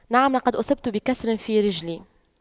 نعم لقد أصبت بكسر في رجلي